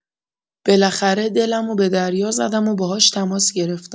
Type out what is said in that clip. بالاخره دلمو به دریا زدمو باهاش تماس گرفتم.